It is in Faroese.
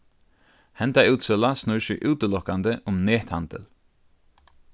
henda útsøla snýr seg útilokandi um nethandil